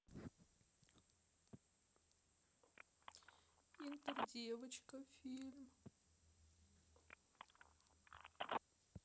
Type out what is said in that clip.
интердевочка фильм